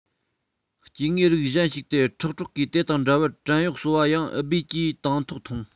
སྐྱེ དངོས རིགས གཞན ཞིག སྟེ ཁྲག གྲོག གིས དེ དང འདྲ བར བྲན གཡོག གསོ བ ཡང ཨུ སྦེར གྱིས དང ཐོག མཐོང